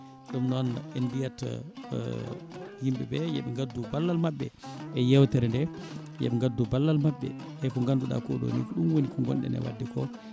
ɗum noon en mbiyat yimɓeɓe yooɓe gaddu ballal mabɓe e yewtere nde yooɓe gandu ballal mabɓe e ko ganduɗa ko ɗɗo ni ko ɗum wooni ko gonɗen e wadde ko